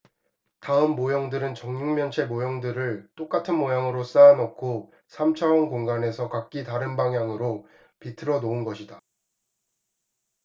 다음 모형들은 정육면체 모형들을 똑같은 모양으로 쌓아놓고 삼 차원 공간에서 각기 다른 방향으로 비틀어 놓은 것이다